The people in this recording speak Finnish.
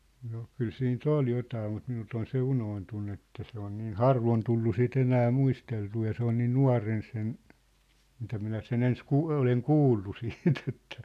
no kyllä siitä oli jotakin mutta minulta on se unohtunut että se on niin harvoin tullut sitä enää muisteltua ja se on niin nuorena sen mitä minä sen ensin - olen kuullut sitten että